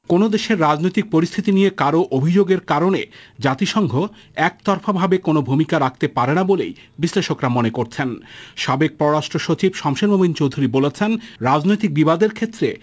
কোন দেশের রাজনৈতিক পরিস্থিতি নিয়ে কারো অভিযোগের কারণে জাতিসংঘ একতরফাভাবে কোন ভূমিকা রাখতে পারে না বলে বিশ্লেষকরা মনে করছেন সাবেক পররাষ্ট্র সচিব শমসের মবিন চৌধুরী বলেছেন রাজনৈতিক বিবাদ এর ক্ষেত্রে